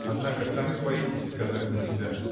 — Однако сами боитесь сказать на себя!